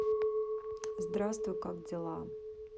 здравствуй как дела